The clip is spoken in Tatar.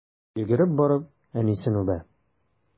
Йөгереп барып әнисен үбә.